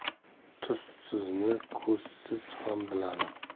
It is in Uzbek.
tuzsizni ko'zsiz ham biladi